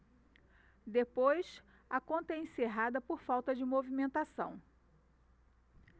depois a conta é encerrada por falta de movimentação